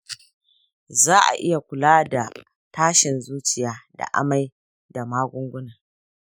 za'a iya kula da tashin zuciya da amai da magunguna.